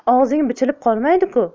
og'zing bichilib qolmaydi ku